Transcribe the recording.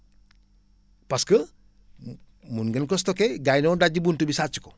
parce que mu mun ngeen ko stocké gars yi ñëw dajji bunt bi sàcc ko